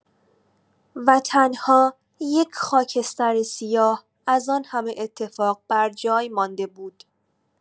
و تنها یک خاکستر سیاه از آن‌همه اتفاق بر جای مانده بود.